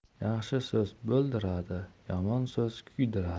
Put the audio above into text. yaxshi so'z bo'ldiradi yomon so'z kuydiradi